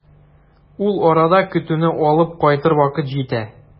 Ул арада көтүне алып кайтыр вакыт җитә.